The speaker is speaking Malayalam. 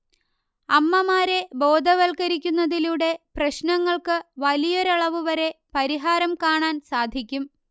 അമ്മമാരെ ബോധവൽക്കരിക്കുന്നതിലൂടെ പ്രശ്നങ്ങൾക്ക് വലിയൊരളവുവരെ പരിഹാരം കാണാൻ സാധിക്കും